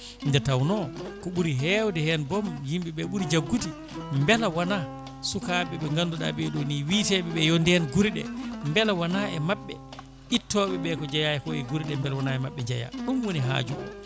nde tawno ko ɓuuri hewde hen boom yimɓeɓe ɓuuri jaggude beele wona sukaɓe ɓe ganduɗa ɓeeɗo ni wiiteɓeɓe yo nden guure ɗe beela wona e mabɓe ittoɓeɓe ko jeeya ko e guureɗe beela wona e mabɓe jeeya ɗum woni haaju